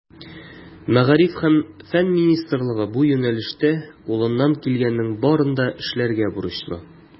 Мәгариф һәм фән министрлыгы бу юнәлештә кулыннан килгәннең барын да эшләргә бурычлы.